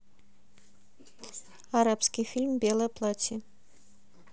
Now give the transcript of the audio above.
арабский фильм белое платье